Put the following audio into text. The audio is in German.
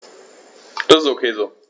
Das ist ok so.